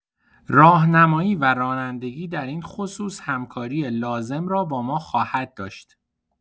راهنمایی و رانندگی در این خصوص همکاری لازم را با ما خواهد داشت.